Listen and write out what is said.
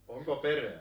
onko perää